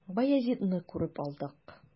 Баязитны күреп алдык.